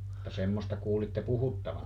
mutta semmoista kuulitte puhuttavan